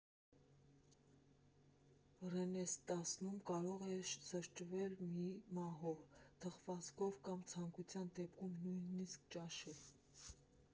«Ռենեսանսում» կարող եք սրճել մի համով թխվածքով կամ ցանկության դեպքում նույնիսկ ճաշել։